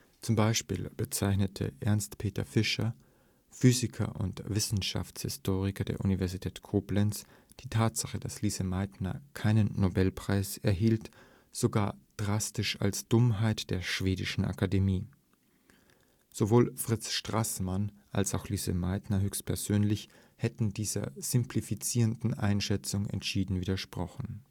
Zum Beispiel bezeichnete Ernst Peter Fischer, Physiker und Wissenschaftshistoriker der Universität Konstanz, die Tatsache, dass Lise Meitner keinen Nobelpreis erhielt, sogar drastisch als „ Dummheit der schwedischen Akademie “. Sowohl Fritz Strassmann als auch Lise Meitner höchstpersönlich hätten dieser simplifizierenden Einschätzung entschieden widersprochen